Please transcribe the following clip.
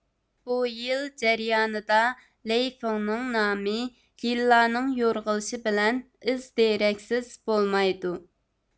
بۇ يىل جەريانىدا لېي فېڭنىڭ نامى يىللارنىڭ يورغىلىشى بىلەن ئىز دېرەكسىز بولمايدۇ